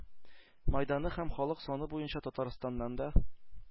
Мәйданы һәм халык саны буенча Татарстаннан да